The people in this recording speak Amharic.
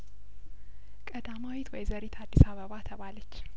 ቀዳማዊት ወይዘሪት አዲስ አበባ ተባለች